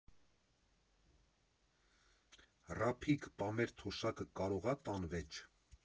֊ Ռափիկ, պա մեր թոշակը կարողա՞ տան վեչ։